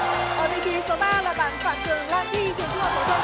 ở vị trí số ba là bạn phạm tường lan vy trường trung học phổ thông